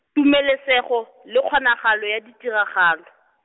Tumelesego, le kgonagalo ya ditiragalo.